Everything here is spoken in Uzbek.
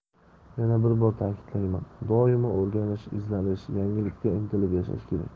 yana bir bor ta'kidlayman doimo o'rganish izlanish yangilikka intilib yashash kerak